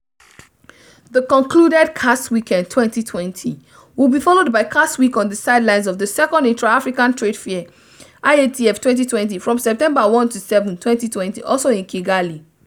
The concluded CAX Weekend 2020 will be followed by CAX Week on the sidelines of the second Intra-African Trade Fair (IATF2020) from September 1-7, 2020, also in Kigali.